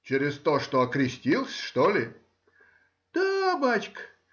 Через то, что окрестился, что ли? — Да, бачка